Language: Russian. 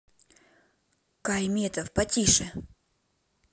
кай метов потише